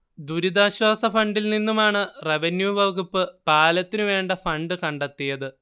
ദുരിതാശ്വാസ ഫണ്ടിൽനിന്നുമാണ് റവന്യു വകുപ്പ് പാലത്തിനുവേണ്ട ഫണ്ട് കണ്ടെത്തിയത്